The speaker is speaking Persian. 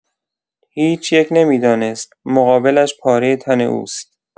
هیچ‌یک نمی‌دانست، مقابلش پاره تن اوست.